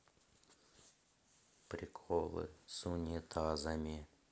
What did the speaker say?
приколы с унитазами